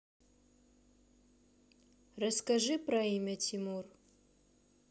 расскажи про имя тимур